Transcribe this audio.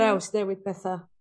...drawsnewid petha.